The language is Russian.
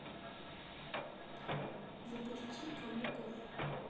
запусти кому кофе